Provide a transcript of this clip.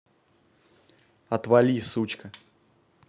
отвали сучка